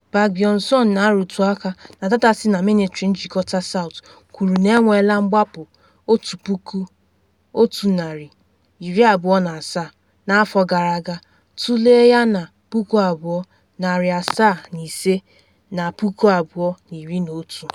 Park Byeong-seun, na arụtụ aka na data si na minitri njikọta South, kwuru na enweela mgbapụ 1,127 n’afọ gara aga - tụlee yana 2,706 na 2011.